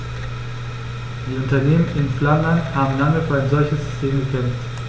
Die Unternehmen in Flandern haben lange für ein solches System gekämpft.